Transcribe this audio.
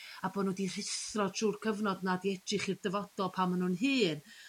a bo' nw 'di rhuthro trw'r cyfnod 'na a 'di edrych i'r dyfodol pan ma' nhw'n hŷn.